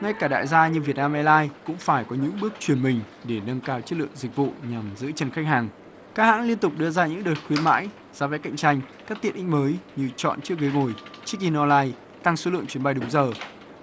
ngay cả đại gia như việt nam e lai cũng phải có những bước chuyển mình để nâng cao chất lượng dịch vụ nhằm giữ chân khách hàng các hãng liên tục đưa ra những đợt khuyến mãi giá vé cạnh tranh các tiện ích mới như chọn chiếc ghế ngồi chếch in on lai tăng số lượng chuyến bay đúng giờ